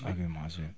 ak rimage bi